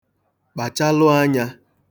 kpàchalụ anya